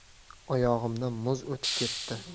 oyog'imdan muz o'tib ketdi